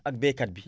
ak baykat bi